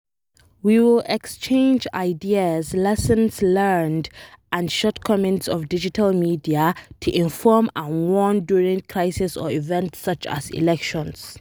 We will exchange ideas, lesson learned and shortcomings of digital media to inform and warn during crisis or events ( such as elections etc…).